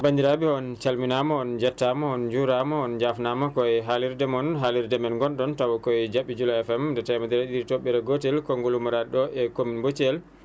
bandiraɓe on calminama on jettama on njurama on jafnama koye haalirede moon haalirde men gonɗon tawa koye JABY JULA FM nde temedere e ɗiɗi toɓɓere gootel konŋngol ummorade ɗo e commune mo Thiel